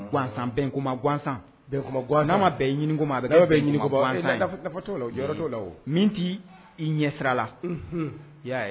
Gansan bɛnkuma gansan gan'a ma bɛ ɲini bɛ min tɛ i ɲɛ sirala i y'a ye